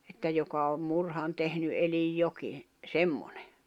että joka on murhan tehnyt eli jokin semmoinen